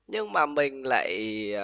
nhưng mà mình lại